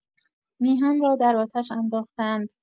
میهن را در آتش انداخته‌اند.